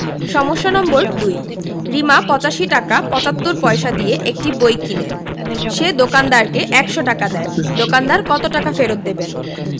সমস্যা নম্বর ২ রিমা ৮৫ টাকা ৭৫ পয়সা দিয়ে একটি বই কিনে সে দোকানদারকে ১০০ টাকা দেয় দোকানদার কত টাকা ফেরত দেবেন